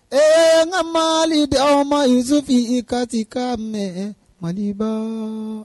Ɛɛ ka mali di aw ma nsufin i kati ka mɛn mali ba